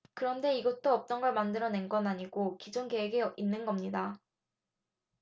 그런데 이것도 없던걸 만들어낸건 아니고 기존 계획에 있는 겁니다